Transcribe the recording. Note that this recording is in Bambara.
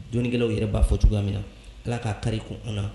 Dɔnikɛlaw yɛrɛ b'a fɔ cogoya min na alaah k'a kari kun kun na